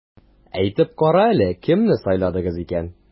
Әйтеп кара әле, кемне сайладыгыз икән?